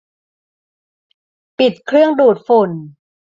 ปิดเครื่องดูดฝุ่น